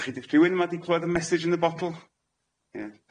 'Dach chi d- rhywun yma 'di clywed y mesij in a botyl?